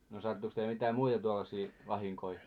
no sattuiko teillä mitään muita tuollaisia vahinkoja